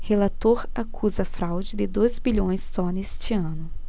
relator acusa fraude de dois bilhões só neste ano